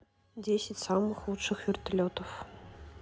десять самых лучших вертолетов